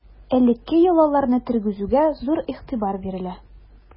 Элекке йолаларны тергезүгә зур игътибар бирелә.